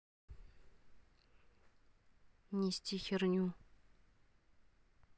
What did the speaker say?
нести херню